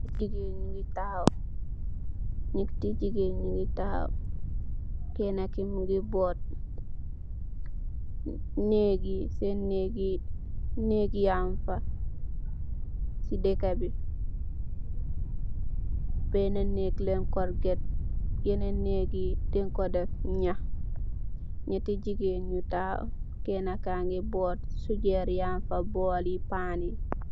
Neeti jigeen nyu gi taxaw meeti jigeen nyu gi taxaw kena ki mogi bood sen neegi neeg yan fa si deka bi bena neeg len korket yenen neeg yi den ko deff naax neeti jigeen nyu taxaw kena kangi bood soger yanfa bowli panyi.